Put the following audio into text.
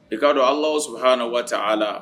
I k kaa dɔn alaaw su h waati a la